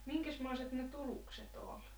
minkäsmoiset ne tulukset oli